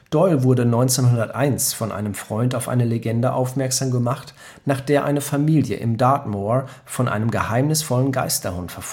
Doyle wurde 1901 von einem Freund auf eine Legende aufmerksam gemacht, nach der eine Familie im Dartmoor von einem geheimnisvollen Geisterhund